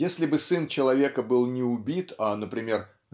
если бы сын Человека был не убит а например